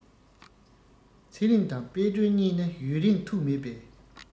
ཚེ རིང དང དཔལ སྒྲོན གཉིས ནི ཡུན རིང ཐུགས མེད པས